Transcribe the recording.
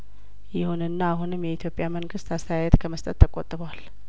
ይሁንና አሁንም የኢትዮጵያ መንግስት አስተያየት ከመስጠት ተቆጥቧል